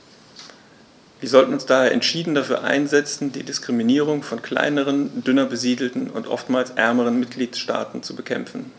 Wir sollten uns daher entschieden dafür einsetzen, die Diskriminierung von kleineren, dünner besiedelten und oftmals ärmeren Mitgliedstaaten zu bekämpfen.